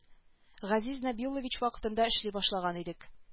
Газиз нәбиуллович вакытында эшли башлаган идек